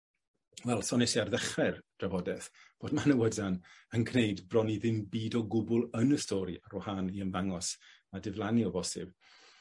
Wel sonies i ar ddechre'r drafodeth bod Manawydan yn gneud bron i ddim byd o gwbwl yn y stori ar wahân i ymddangos a diflannu o bosib.